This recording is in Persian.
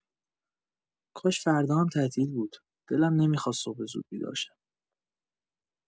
کاش فردا هم تعطیل بود، دلم نمی‌خواست صبح زود بیدار شم.